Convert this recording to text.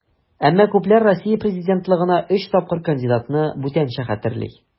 Әмма күпләр Россия президентлыгына өч тапкыр кандидатны бүтәнчә хәтерли.